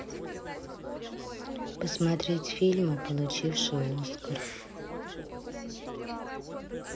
посмотреть фильмы получившие оскар